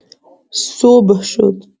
صبح شد.